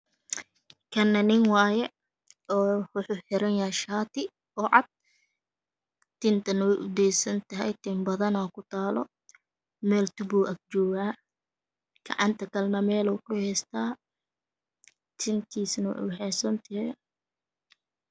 Kana nin waaye oo wuxuu xiran yahay shaati oo cad . Tintane way u daysan tahay. tin badan ku taalo. meel tubo ag joogaa. gacanta kalane meel ku haystaa. tintiisane way u waxaysan tahay.